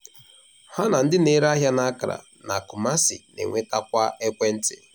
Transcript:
Ha na ndị na-ere ahịa n'Accra na Kumasi na-enwetakwa ekwentị.